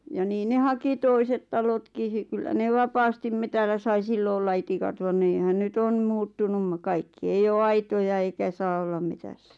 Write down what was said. ja niin ne haki toiset talotkin se kyllä ne vapaasti metsällä sai silloin olla itikat vaan niinhän nyt on muuttunut kaikki ei ole aitoja eikä saa olla metsässä